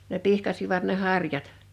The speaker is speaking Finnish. ne pihkasivat ne harjat